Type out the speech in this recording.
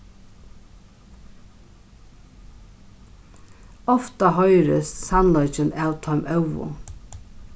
ofta hoyrist sannleikin av teim óðu